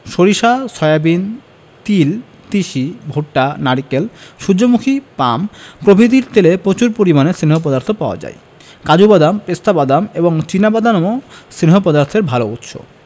সরিষা সয়াবিন তিল তিসি ভুট্টা নারকেল সুর্যমুখী পাম প্রভৃতির তেলে প্রচুর পরিমাণে স্নেহ পদার্থ পাওয়া যায় কাজু বাদাম পেস্তা বাদাম এবং চিনা বাদামও স্নেহ পদার্থের ভালো উৎস